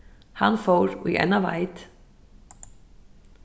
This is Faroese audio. hann fór í eina veit